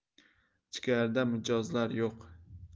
ichkarida mijozlar yo'q